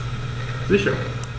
Sicher.